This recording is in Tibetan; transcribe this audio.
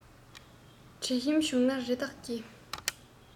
དྲི ཞིམ འབྱུང ན རི དྭགས ཀྱི